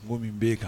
Ko bɛ bɛ kan